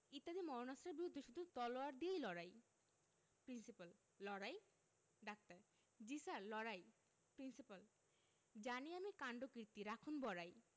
ইত্যাদি মারণাস্ত্রের বিরুদ্ধে শুধু তলোয়ার দিয়ে লড়াই প্রিন্সিপাল লড়াই ডাক্তার জ্বী স্যার লড়াই প্রিন্সিপাল জানি আমি কাণ্ডকীর্তি রাখুন বড়াই